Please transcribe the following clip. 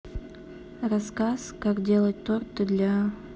рассказ как делать торты для